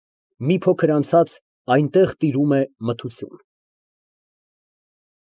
Մի փոքր անցած այնտեղ տիրում է մթություն)։